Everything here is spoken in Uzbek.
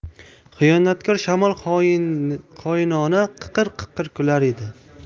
xiyonatkor shamol xoinona qiqir qiqir kular edi